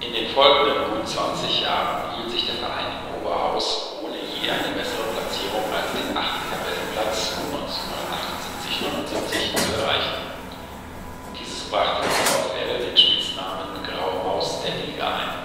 den folgenden gut 20 Jahren hielt sich der Verein im Oberhaus, ohne je eine bessere Platzierung als den achten Tabellenplatz (1978 / 79) zu erreichen. Dieses brachte dem VfL den Spitznamen „ Graue Maus “der Liga ein